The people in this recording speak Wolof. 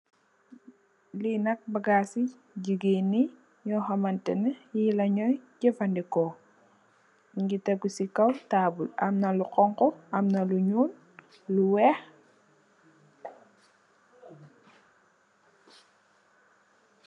Li nak bagaasi jigeen yi yoxamteni yi la ñooy jafandiko. Mugii tégu ci kaw tabull, am na lu xonxo, am na lu ñuul, amna lu weex.